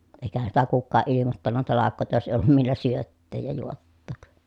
eikähän sitä kukaan ilmoittanut talkoita jos ei ollut millä syöttää ja juottaa